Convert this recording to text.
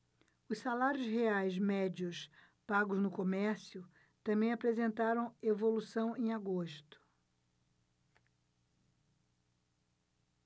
os salários reais médios pagos no comércio também apresentaram evolução em agosto